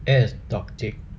เอซดอกจิก